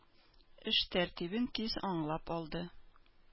Эш тәртибен тиз аңлап алды.